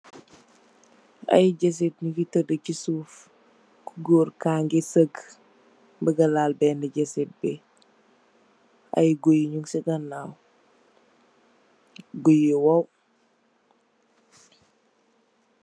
Ay jeseet yu fi teda si suuf goor kagi sega buga lal bena jeseet bi ay koi nyun si kanaw koi yu woow.